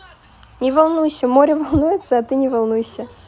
не волнуйся море волнуется а ты не волнуйся